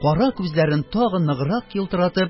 Кара күзләрен тагы ныграк елтыратып,